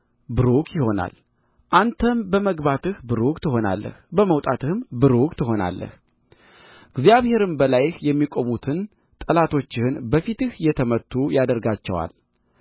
ቡሩክ ይሆናል አንተም በመግባትህ ቡሩክ ትሆናለህ በመውጣትህም ቡሩክ ትሆናለህ እግዚአብሔርም በላይህ የሚቆሙትን ጠላቶችህን በፊትህ የተመቱ ያደርጋቸዋል